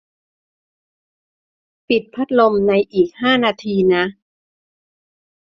ปิดพัดลมในอีกห้านาทีนะ